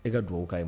E ka duwawu k'a ye